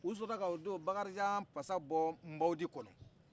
o sɔrɔla ka o don bakarijan pasa bɔ nbawudi kɔnɔ